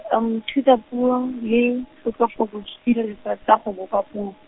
, thutapuo le tlotlofoko, ke didirisiwa tsa go bopa puo.